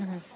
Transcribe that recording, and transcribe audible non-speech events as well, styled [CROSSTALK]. [HESITATION] [HESITATION]